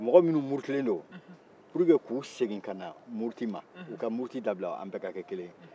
mɔgɔ minnu murutilen don pour que k'u segin u ka muruti da bila an bɛka kɛ kelen ye